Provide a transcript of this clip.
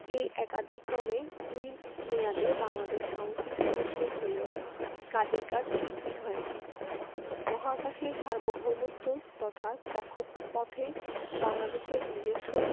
এ একাদিক্রমে দুই মেয়াদে বাংলাদেশ কাউন্সিল সদস্য হলেও কাজের কাজ কিছুই হয়নি মহাকাশের সার্বভৌমত্ব তথা কক্ষপথে বাংলাদেশের নিজস্ব